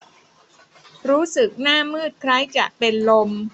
รู้สึกหน้ามืดคล้ายจะเป็นลม